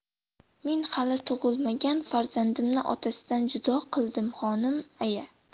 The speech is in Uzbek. men hali tug'ilmagan farzandimni otasidan judo qildim xonim aya